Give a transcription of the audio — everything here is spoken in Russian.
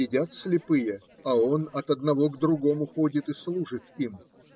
Едят слепые, а он от одного к другому ходит и служит им.